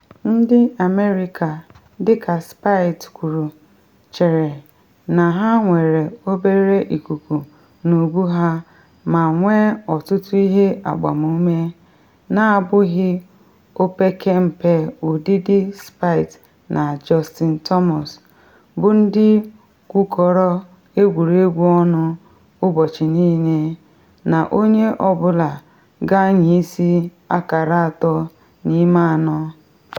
Ndị America, dịka Spieth kwuru, chere na ha nwere obere ikuku n’ubu ha ma nwee ọtụtụ ihe agbamume, na abụghị opekempe ụdịdị Spieth na Justin Thomas, bụ ndị gwukọrọ egwuregwu ọnụ ụbọchị niile, na onye ọ bụla ga-anya isi akara atọ n’ime anọ.